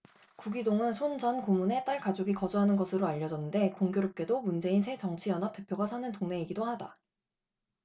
구기동은 손 전 고문의 딸 가족이 거주하는 것으로 알려졌는데 공교롭게도 문재인 새정치연합 대표가 사는 동네이기도 하다